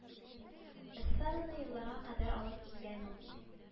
Эстраданы елларга кадәр алып килгән ул